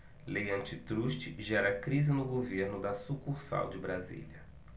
lei antitruste gera crise no governo da sucursal de brasília